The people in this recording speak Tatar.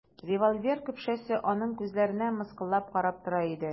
Револьвер көпшәсе аның күзләренә мыскыллап карап тора иде.